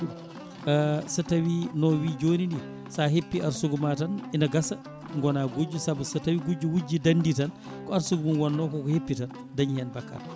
so tawi no wii joni ni sa heppi arsugue ma tan ene gasa goona gujjo saabu so tawi gujjo wujji dandi tan ko arsugue mum wonno koko heppi tan dañi hen bakkat